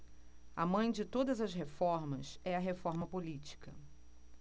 a mãe de todas as reformas é a reforma política